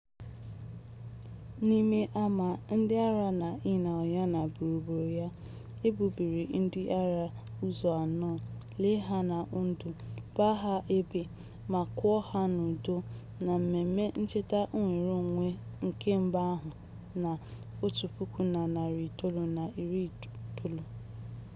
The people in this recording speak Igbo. N'ime ámá ndị agha na Inal yana gburugburu ya, e gbubiri ndị agha ụzọ anọ, lie ha na ndụ, gbaa ha egbe, ma kwụọ ha n'ụdọ na mmemme ncheta nnwereonwe nke mba ahụ na 1990.